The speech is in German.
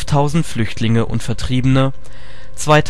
11.000 Flüchtlinge und Vertriebene), 2.543